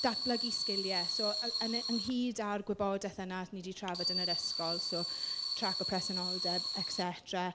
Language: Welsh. datblygu sgiliau. So yn yn y... ynghyd â'r gwybodaeth yna ni 'di trafod yn yr ysgol, so traco presenoldeb et cetera.